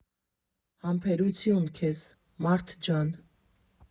Համբերություն քեզ, մա՛րդ ջան։